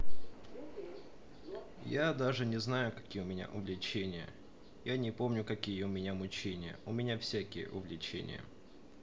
я даже не знаю какие у меня увлечения я не помню какие у меня мучения у меня всякие увлечения